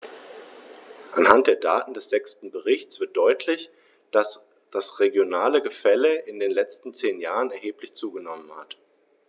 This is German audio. Anhand der Daten des sechsten Berichts wird deutlich, dass das regionale Gefälle in den letzten zehn Jahren erheblich zugenommen hat.